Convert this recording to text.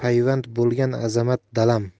payvand bo'lgan azamat dalam